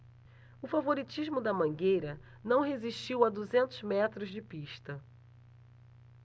o favoritismo da mangueira não resistiu a duzentos metros de pista